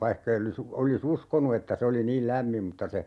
vaikka ei olisi olisi uskonut että se oli niin lämmin mutta se